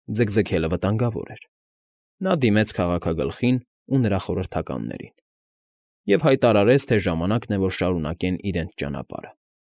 Ձգձգելը վտանգավոր էր։ Նա դիմեց քաղաքագլխին ու նրա խորհրդականներին և հայտարարեց, թե ժամանակն է, որ շարունակեն իրենց ճանապարհը։